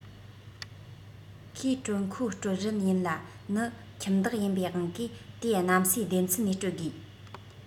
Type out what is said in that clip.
ཁོའི དྲོད མཁོ སྤྲོད རན ཡིན ལ ནི ཁྱིམ བདག ཡིན པའི དབང གིས དེ གནས སའི སྡེ ཚན ནས སྤྲོད དགོས